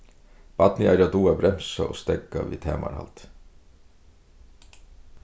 barnið eigur at duga at bremsa og steðga við tamarhaldi